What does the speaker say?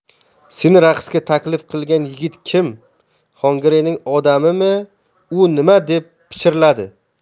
seni raqsga taklif qilgan yigit kim xongireyning odamimi u nima deb pichirladi